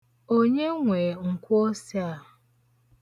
Onye nwe nkwoose a?